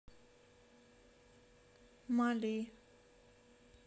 мали